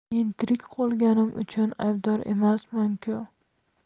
men tirik qolganim uchun aybdor emasman ku